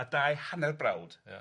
a dau hanner brawd... Ia.